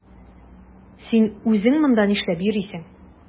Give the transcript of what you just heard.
Син үзең монда нишләп йөрисең?